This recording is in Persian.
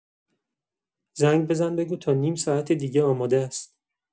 زنگ بزن بگو تا نیم ساعت دیگه آماده‌ست.